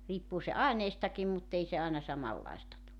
riippuu se aineistakin mutta ei se aina samanlaista tule